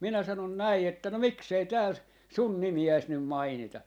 minä sanoin näin että no miksi ei täällä sinun nimeäsi nyt mainita